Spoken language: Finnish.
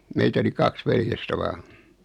meitä oli kaksi veljestä vain